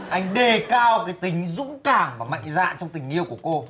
anh đề cao cái tính dũng cảm và mạnh dạn trong tình yêu của cô